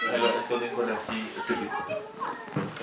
mais loolu est que du ñu ko def ci